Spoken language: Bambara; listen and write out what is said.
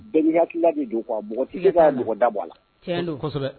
Bɛɛ n'i ka hakili la. de don quoi mɔgɔ siga t'a la. tɛ se ka mɔgɔ da bɔ a la. Tiɲɛ do. Kosɛbɛ!